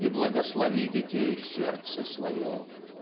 И благослови детей в сердце своем.